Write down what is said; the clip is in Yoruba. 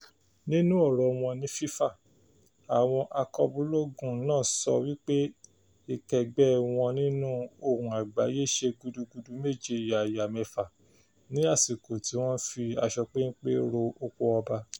Nínú ọ̀rọ̀ wọn ní FIFA, àwọn akọbúlọ́ọ̀gù náà sọ wípé ìkẹ́gbẹ́ẹ wọn nínú Ohùn Àgbáyé ṣe gudugudu méje yàyà mẹ́fà ní àsìkò tí àwọn ń fi aṣọ pénpé ro oko ọba.